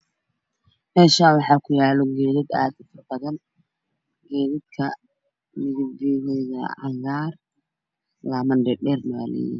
Meshan waxa kuyalo geedo aad ufara badan midabkode waa cagar laman dheer nah wow leyahay